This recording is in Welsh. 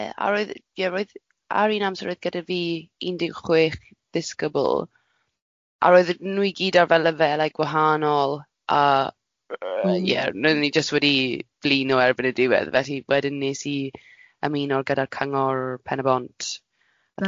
Ie, a roedd ie roedd ar un amser roedd gyda fi un deg chwech disgybl, a roedden nhw i gyd arfer lefelau gwahanol, a yy ie, a roeddwn i jyst wedi blino erbyn y diwedd, felly wedyn wnes i ymuno gyda'r Cyngor Pen-y-bont... Reit.